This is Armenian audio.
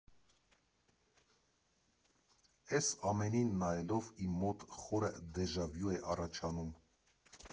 Էս ամենին նայելով իմ մոտ խորը դե֊ժա֊վյու է առաջանում։